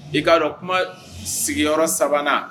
I k'a dɔn kuma sigiyɔrɔ saba nan